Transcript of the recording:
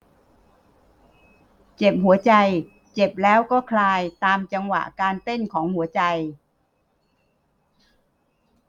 เจ็บหัวใจเจ็บแล้วก็คลายตามจังหวะการเต้นของหัวใจ